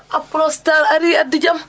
Aprostar arii addi jam